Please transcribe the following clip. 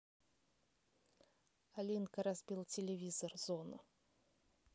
alinka разбил телевизор зона